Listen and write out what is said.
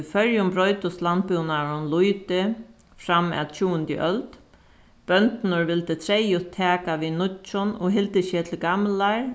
í føroyum broytist landbúnaðurin lítið fram at tjúgundu øld bøndurnir vildu treyðugt taka við nýggjum og hildu seg til gamlar